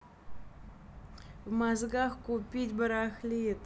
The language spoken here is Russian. в мозгах купить барахлит